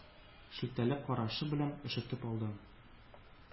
Шелтәле карашы белән өшетеп алды.